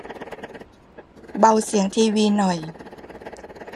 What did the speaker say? เบาเสียงทีวีหน่อย